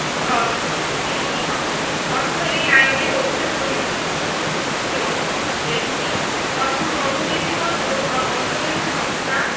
ঝ বিধি অর্থ এই আইনের অধীনে প্রণীত বিধি ঞ ব্যক্তি অর্থ সংবিধিবদ্ধ বা অন্ডবিধ সংস্থা